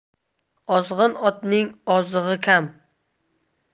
ozg'in otning ozig'i kam